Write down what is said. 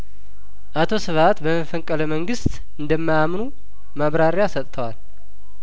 አቶ ስብሀት በመፈንቅ ለመንግስት እንደማያምኑ ማብራሪያሰጥተዋል